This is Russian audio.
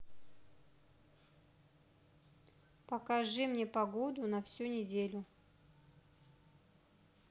покажи мне погоду на всю неделю